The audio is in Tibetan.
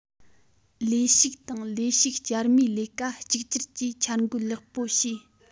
ལས ཞུགས དང ལས ཞུགས བསྐྱར མའི ལས ཀ གཅིག གྱུར གྱིས འཆར འགོད ལེགས པོ བྱས